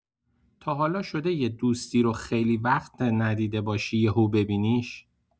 تا حالا شده یه دوستی رو خیلی وقت ندیده باشی، یهو ببینیش؟